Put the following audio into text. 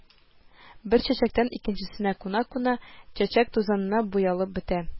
Бер чәчәктән икенчесенә куна-куна, чәчәк тузанына буялып бетә